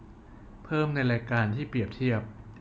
เพิ่มในรายการเปรียบเทียบ